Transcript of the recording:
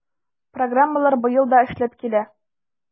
Программалар быел да эшләп килә.